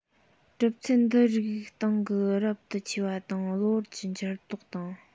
གྲུབ ཚུལ འདི རིགས སྟེང གི རབ ཏུ ཆེ བ དང གློ བུར གྱི འགྱུར ལྡོག དང